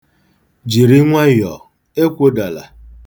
Jiri nwayọọ, ekwedala.